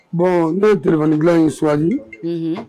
Bɔn ne tileinbila in suli